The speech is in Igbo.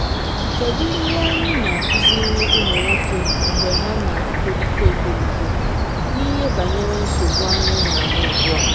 ‘Kedu ihe anyị na-akuziri ụmụ-nwoke mgbe ha na-etolite etolite, n’ihe banyere nsogbu anyị na-ahụ ugbu a?’